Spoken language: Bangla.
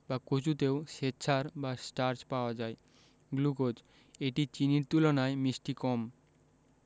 বা কচুতেও শ্বেতসার বা স্টার্চ পাওয়া যায় গ্লুকোজ এটি চিনির তুলনায় মিষ্টি কম